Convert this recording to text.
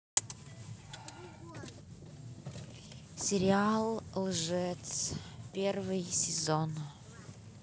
сериал лжец первый сезон